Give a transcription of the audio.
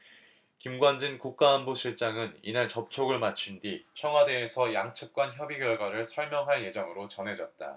김관진 국가안보실장은 이날 접촉을 마친 뒤 청와대에서 양측간 협의 결과를 설명할 예정으로 전해졌다